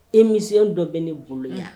E misɛn dɔ bɛ ne bolo yan